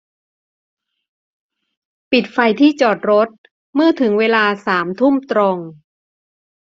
ปิดไฟที่จอดรถเมื่อถึงเวลาสามทุ่มตรง